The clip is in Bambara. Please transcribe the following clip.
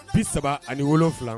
P saba ani wolofila